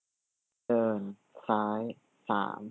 เดินซ้ายสาม